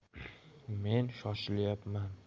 men shoshilayapman